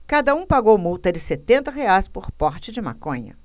cada um pagou multa de setenta reais por porte de maconha